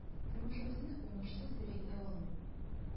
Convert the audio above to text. Тормышыбызны уңышсыз дип әйтә алмыйм.